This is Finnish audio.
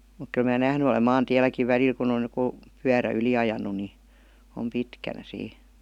mutta kyllä minä nähnyt olen maantielläkin välillä kun on joku pyörä yli ajanut niin on pitkänä siinä